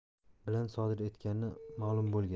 bilan sodir etgani ma'lum bo'lgan